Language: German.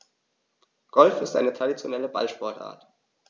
Golf ist eine traditionelle Ballsportart.